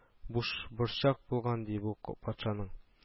Бушборчак булган, ди, бу патшаның